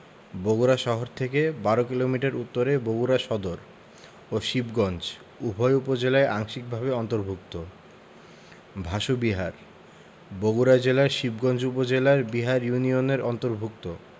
বগুড়া শহর থেকে প্রায় ১২ কিলোমিটার উত্তরে বগুড়া সদর ও শিবগঞ্জ উভয় উপজেলায় আংশিকভাবে অন্তর্ভুক্ত ভাসু বিহার বগুড়া জেলার শিবগঞ্জ উপজেলার বিহার ইউনিয়নের অন্তর্ভুক্ত